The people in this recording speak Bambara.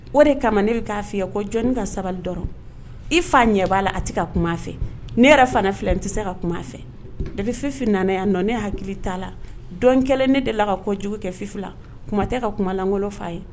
O de kama ne bɛ k'a f yan jɔnni ka sabali dɔrɔn i fa ɲɛ b'a la a tɛ ka kuma a fɛ ni yɛrɛ fana filɛ tɛ se ka kuma a fɛ ne bɛ fifin nana yan dɔn ne hakili t'a la dɔn kɛlen ne de la ka kɔ jugu kɛ fila kuma tɛ ka kumalankolon'a ye